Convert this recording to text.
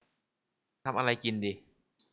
ทำอะไรกินดี